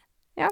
Ja.